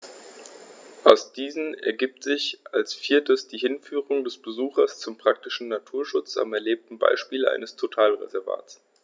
Aus diesen ergibt sich als viertes die Hinführung des Besuchers zum praktischen Naturschutz am erlebten Beispiel eines Totalreservats.